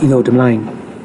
i ddod ymlaen.